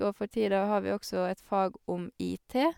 Og for tida har vi også et fag om IT.